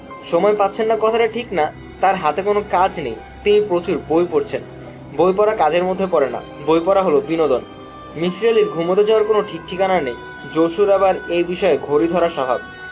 সময় পাচ্ছেন না কথাটা ঠিক না তার হাতে কোনাে কাজ নেই তিনি প্রচুর বই পড়ছেন। বই পড়া কাজের মধ্যে পড়ে না বই পড়া হলাে বিনােদন মিসির আলির ঘুমুতে যাওয়ার কোনাে ঠিকঠিকানা নেই জসুর আবার এই বিষয়ে ঘড়ি ধরা স্বভাব